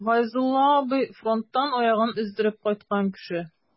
Гайзулла абый— фронттан аягын өздереп кайткан кеше.